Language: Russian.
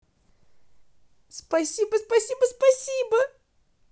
спасибо спасибо спасибо